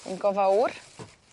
un go fowr